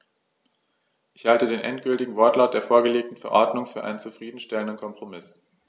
Ich halte den endgültigen Wortlaut der vorgelegten Verordnung für einen zufrieden stellenden Kompromiss.